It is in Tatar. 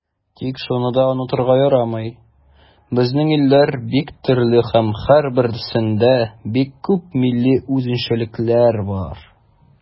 Тик шуны да онытырга ярамый, безнең илләр бик төрле һәм һәрберсендә бик күп милли үзенчәлекләр бар.